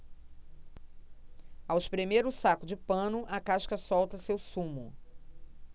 ao espremer o saco de pano a casca solta seu sumo